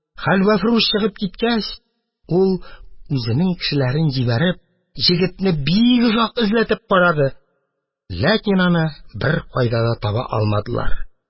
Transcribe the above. Хәлвәфрүш чыгып киткәч, ул, үзенең кешеләрен җибәреп, егетне бик озак эзләтеп карады, ләкин аны беркайдан да таба алмадылар